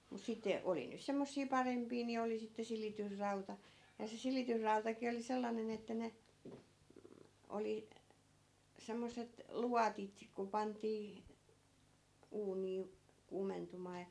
mutta sitten oli niitä semmoisia parempia niin oli sitten silitysrauta ja se silitysrautakin oli sellainen että ne mm oli semmoiset luotit kun pantiin uunia kuumentumaan ja